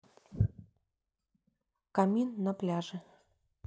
камин на пляже